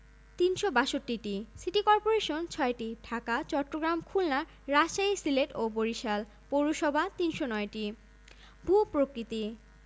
পশ্চিমে ভারতের পশ্চিমবঙ্গ উত্তরে ভারতীয় রাজ্য পশ্চিমবঙ্গ আসাম ও মেঘালয় পূর্বে ভারতের আসাম ত্রিপুরা ও মিজোরাম এবং সেই সঙ্গে মায়ানমার এবং দক্ষিণে বঙ্গোপসাগর